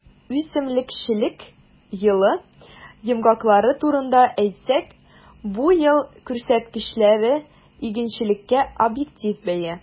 Үсемлекчелек елы йомгаклары турында әйтсәк, бу ел күрсәткечләре - игенчелеккә объектив бәя.